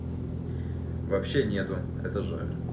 вообще нету это жаль